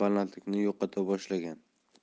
balandlikni yo'qota boshlagan